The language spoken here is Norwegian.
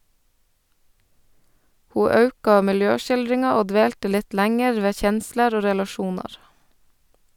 Ho auka miljøskildringa og dvelte litt lenger ved kjensler og relasjonar.